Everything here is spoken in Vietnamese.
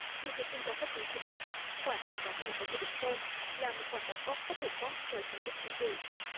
một số chuyên gia pháp lý cho biết khoản thanh toán này có thể được xem là một khoản đóng góp bất hợp pháp cho chiến dịch tranh cử